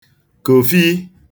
kòfịị